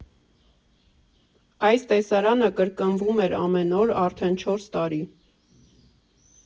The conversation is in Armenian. Այս տեսարանը կրկնվում էր ամեն օր արդեն չորս տարի։